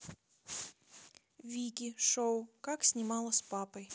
вики шоу как снимала с папой